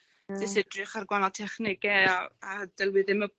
jyst edrych ar gwanol technege a a